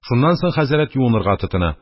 Шуннан соң хәзрәт юынырга тотына,